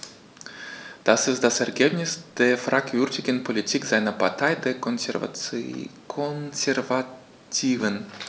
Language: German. Das ist das Ergebnis der fragwürdigen Politik seiner Partei, der Konservativen.